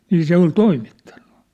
niin se oli toimittanut